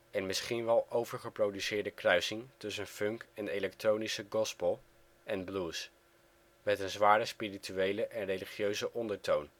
en misschien wel overgeproduceerde kruising tussen funk en elektronische gospel en blues, met een zware spirituele en religieuze ondertoon